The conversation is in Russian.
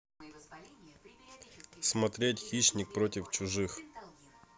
смотреть хищник против чужих